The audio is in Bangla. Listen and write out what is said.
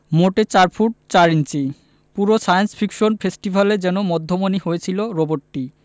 মোটে ৪ ফুট ৪ ইঞ্চি পুরো সায়েন্স ফিকশন ফেস্টিভ্যালে যেন মধ্যমণি হয়েছিল রোবটটি